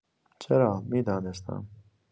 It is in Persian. چرا، می‌دانستم.